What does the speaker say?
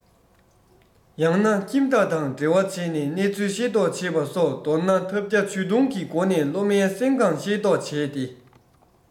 ཡང ན ཁྱིམ བདག དང འབྲེལ བ བྱས ནས གནས ཚུལ ཤེས རྟོགས བྱེད པ སོགས མདོར ན ཐབས བརྒྱ ཇུས སྟོང གི སྒོ ནས སློབ མའི སེམས ཁམས ཤེས རྟོགས བྱས ཏེ